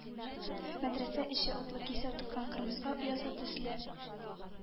Мәдрәсә эче, утлы кисәү тыккан кырмыска оясы төсле,